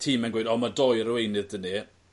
time'n gweud o ma' dou arweinydd 'dy ni